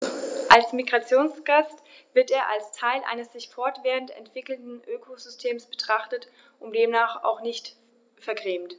Als Migrationsgast wird er als Teil eines sich fortwährend entwickelnden Ökosystems betrachtet und demnach auch nicht vergrämt.